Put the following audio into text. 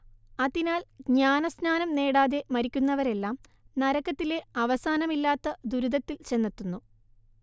അതിനാൽ ജ്ഞാനസ്നാനം നേടാതെ മരിക്കുന്നവരെല്ലാം നരകത്തിലെ അവസാനമില്ലാത്ത ദുരിതത്തിൽ ചെന്നെത്തുന്നു